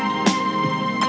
cho